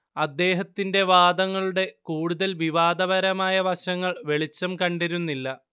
അദ്ദേഹത്തിന്റെ വാദങ്ങളുടെ കൂടുതൽ വിവാദപരമായ വശങ്ങൾ വെളിച്ചം കണ്ടിരുന്നില്ല